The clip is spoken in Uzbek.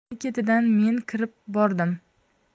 uning ketidan men kirib bordim